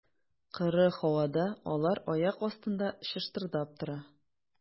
Коры һавада алар аяк астында чыштырдап тора.